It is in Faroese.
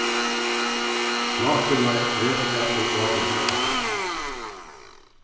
pláturnar reka í ávísar ættir